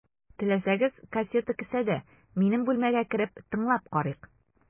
Теләсәгез, кассета кесәдә, минем бүлмәгә кереп, тыңлап карыйк.